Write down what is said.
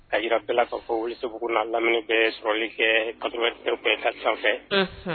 A yira bɛɛ k'a fɔ wuli sebugu n'a lamini bɛ sɔrɔli kɛ kap kari sanfɛ